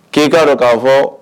K'i kaa dɔ k'a fɔ